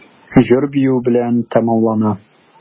Җыр-бию белән тәмамлана.